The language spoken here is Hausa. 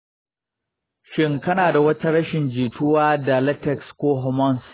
“shin kana da wata rashin jituwa ga latex ko hormones?”